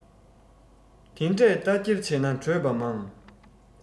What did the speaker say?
དེ འདྲས རྟ འཁྱེར བྱས ནས བྲོས པ མང